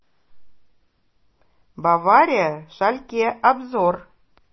бавария шальке обзор